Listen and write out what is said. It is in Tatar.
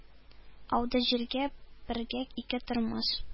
Ауды җиргә бергә ике тормыш,